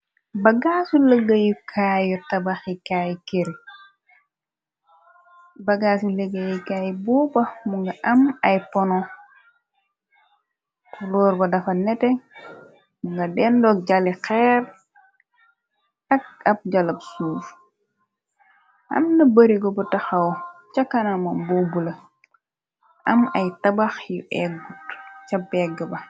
Ba gaasu lëggéyukaay buo ba mu nga am ay pono loor bo dafa nete munga dendook jali xeer ak ab jalob suuf amna bari go bu taxaw ca kanama boobu la am ay tabax yu ca begg ba.